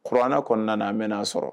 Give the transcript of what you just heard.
Kuran kɔnɔna a bɛna aa sɔrɔ